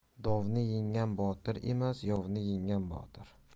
dovni yenggan botir emas yovni yengan botir